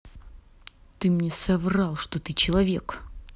ты мне соврал что ты человек